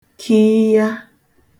kìiya